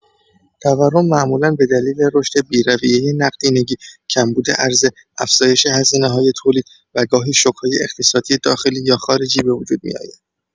تورم معمولا به دلیل رشد بی‌رویه نقدینگی، کمبود عرضه، افزایش هزینه‌های تولید و گاهی شوک‌های اقتصادی داخلی یا خارجی به وجود می‌آید.